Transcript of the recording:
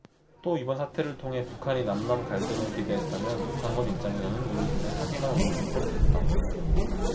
또 이번 사태를 통해 북한이 남 남 갈등을 기대했다면 북한군 입장에서는 우리군의 사기만 올려준 꼴이 됐다